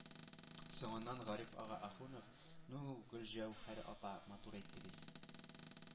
Соңыннан Гариф ага Ахунов: Ну Гөлҗәүһәр апа, матур әйттегез, ”